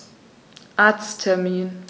Arzttermin